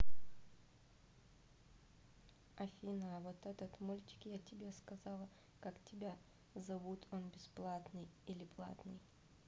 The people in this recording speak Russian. афина а вот этот мультик я тебе сказала как тебя зовут он бесплатный или платный